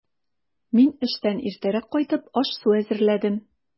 Мин, эштән иртәрәк кайтып, аш-су әзерләдем.